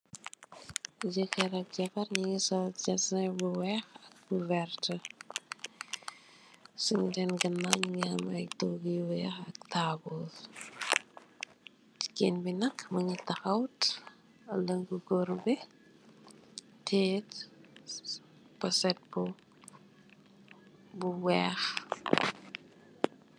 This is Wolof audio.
Jekarr ak jabarr nyugi sol gesnerr bu weex ak bu werta si sen ganaw mongi am ay togu yu weex ak tabul jigéen bi nak mongi taxaw xale bu góor bi tiye poset bu bu weex.